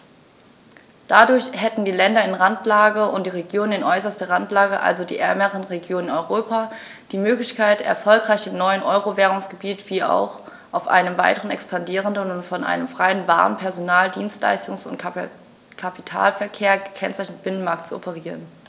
Dadurch hätten die Länder in Randlage und die Regionen in äußerster Randlage, also die ärmeren Regionen in Europa, die Möglichkeit, erfolgreich im neuen Euro-Währungsgebiet wie auch auf einem weiter expandierenden und von einem freien Waren-, Personen-, Dienstleistungs- und Kapitalverkehr gekennzeichneten Binnenmarkt zu operieren.